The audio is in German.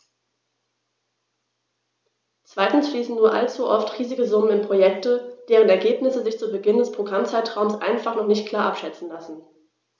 Zweitens fließen nur allzu oft riesige Summen in Projekte, deren Ergebnisse sich zu Beginn des Programmzeitraums einfach noch nicht klar abschätzen lassen.